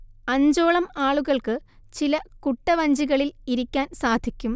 അഞ്ചോളം ആളുകൾക്ക് ചില കുട്ടവഞ്ചികളിൽ ഇരിക്കാൻ സാധിക്കും